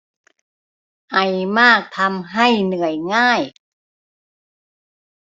ไอมากทำให้เหนื่อยง่าย